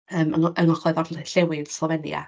Yym yng o-... yng Ngogledd Orllewin Slofenia.